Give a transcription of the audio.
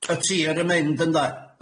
y tir yn mynd ynde?